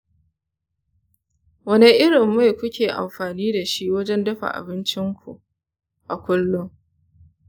wane irin mai kuke amfani da shi wajen dafa abinci a kullum?